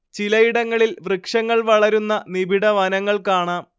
ചിലയിടങ്ങളിൽ വൃക്ഷങ്ങൾ വളരുന്ന നിബിഡ വനങ്ങൾ കാണാം